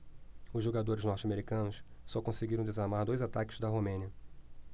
os jogadores norte-americanos só conseguiram desarmar dois ataques da romênia